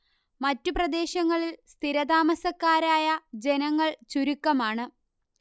മറ്റു പ്രദേശങ്ങളിൽ സ്ഥിരതാമസക്കാരായ ജനങ്ങൾ ചുരുക്കമാണ്